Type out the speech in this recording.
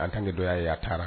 En temps que dɔ y'a ye a taara